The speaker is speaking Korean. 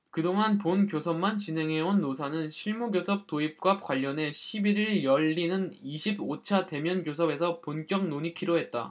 그 동안 본교섭만 진행해온 노사는 실무교섭 도입과 관련해 십 일 일 열리는 이십 오 차 대면교섭에서 본격 논의키로 했다